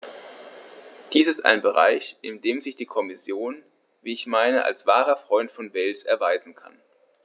Dies ist ein Bereich, in dem sich die Kommission, wie ich meine, als wahrer Freund von Wales erweisen kann.